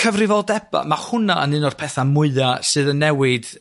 cyfrifoldeba' ma' hwnna yn un o'r petha' mwya' sydd yn newid